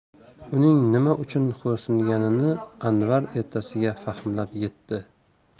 uning nima uchun xo'rsinganini anvar ertasiga fahmlab yetdi